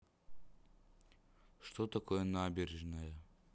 что такое набережная